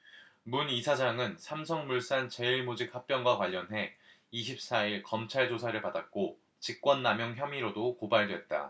문 이사장은 삼성물산 제일모직 합병과 관련해 이십 사 일 검찰 조사를 받았고 직권남용 혐의로도 고발됐다